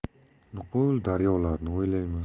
nuqul daryolarni o'ylayman